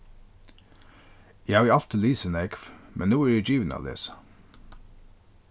eg havi altíð lisið nógv men nú eri eg givin at lesa